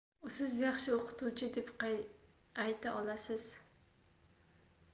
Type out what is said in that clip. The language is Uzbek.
siz yaxshi o'qituvchi deb ayta olasiz